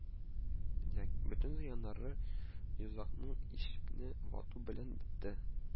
Бөтен зыяннары йозакны-ишекне вату белән бетте